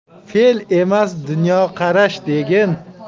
fel emas dunyoqarash degin